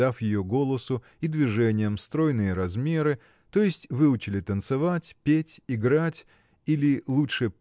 дав ее голосу и движениям стройные размеры то есть выучили танцевать петь играть или лучше